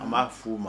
A b'a f'u ma